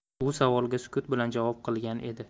u savolga sukut bilan javob qilgan edi